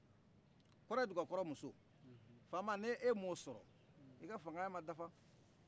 kɔrɛ duga kɔrɔ muso fama n'e m'o sɔrɔ ika famaya dafa